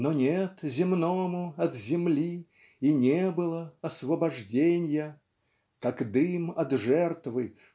Но нет земному от земли И не было освобожденья. Как дым от жертвы